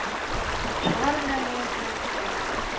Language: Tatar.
Шулар белән мине терелттең.